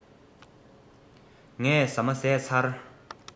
ངས ཟ མ བཟས ཚར